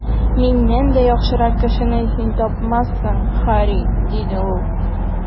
Миннән дә яхшырак кешене син тапмассың, Һарри, - диде ул.